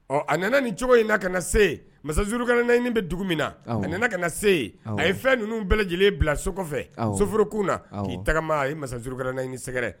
Ɔ a nana nin cogo in na kana se masa Zulukalanayini be dugu min na awɔ a nana kana se ye awɔ a ye fɛn ninnu bɛɛ lajɛlen bila so kɔfɛ awɔ soforokun na k'i tagama a ye masa Zulukalanayini sɛgɛrɛ